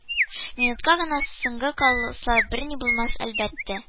Минутка гына соңга калсалар, берни булмас, әлбәттә